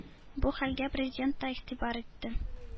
Бу хәлгә Президент та игътибар итте.